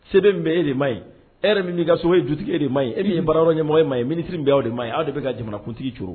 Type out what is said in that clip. Se bɛ min bɛ e de ma ɲi e min'i ka so ye dutigi e de ma ye e min ye baara yɔrɔ ɲɛmɔgɔ e ma ye minisiri min bɛ' de ma ye aw de bɛ ka jamanakuntigi cogo